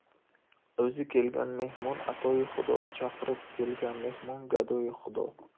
o'zi kelgan mehmon atoyi xudo chaqirib kelgan mehmon gadoyi xudo